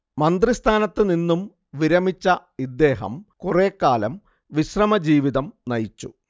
മന്ത്രിസ്ഥാനത്തുനിന്നും വിരമിച്ച ഇദ്ദേഹം കുറേക്കാലം വിശ്രമജീവിതം നയിച്ചു